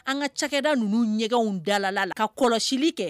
An ka cakɛda ninnu ɲɛgɛnw dalala la ka kɔlɔsili kɛ